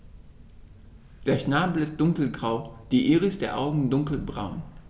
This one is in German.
Der Schnabel ist dunkelgrau, die Iris der Augen dunkelbraun.